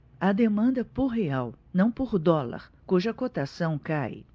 há demanda por real não por dólar cuja cotação cai